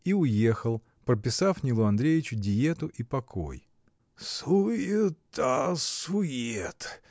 И уехал, прописав Нилу Андреевичу диету и покой. — Суета сует!